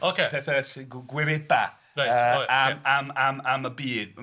Ocê... Pethau sy'n... Gwirebau... Reit.... am... am... am y byd.